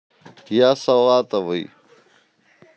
я салатовый